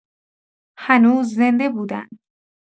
هنوز زنده بودند.